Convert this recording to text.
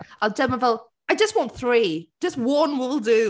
A oedd Gemma fel "I just want three, just one will do."